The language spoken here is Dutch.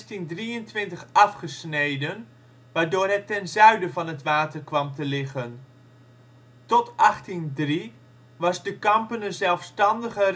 in 1623 afgesneden, waardoor het ten zuiden van het water kwam te liggen. Tot 1803 was De Kampen een zelfstandige rechtstoel